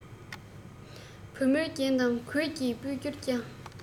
བུ མོ རྒྱན དང གོས ཀྱིས སྤུད གྱུར ཀྱང